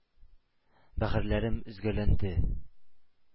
Бәгырьләрем өзгәләнде,